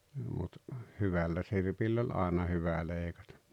mutta hyvällä sirpillä oli aina hyvä leikata